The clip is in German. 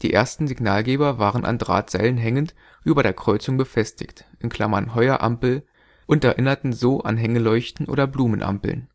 ersten Signalgeber waren an Drahtseilen hängend über der Kreuzung befestigt (Heuerampel, s.u.) und erinnerten so an Hängeleuchten oder Blumenampeln